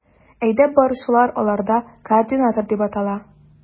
Әйдәп баручылар аларда координатор дип атала.